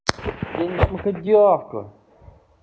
я не шмокодявка